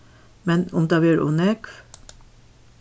men um tað verður ov nógv